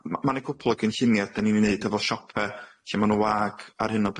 M- ma' 'ne cwpwl o gynllunie 'den ni'n 'i neud efo siope, lle ma' nw wag ar hyn o bryd.